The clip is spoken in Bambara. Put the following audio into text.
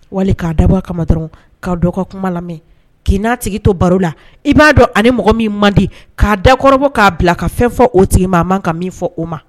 Wali k'a dabɔ a kama dɔrɔn ka dɔ ka kuma lamɛn k'i n'a tigi to baro la i b'a dɔn ani mɔgɔ min mandi k'a dakɔrɔ k'a bila ka fɛn fɔ o tigi ma a maan ka min fɔ o ma